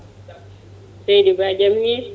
seydi Ba jaam hiiri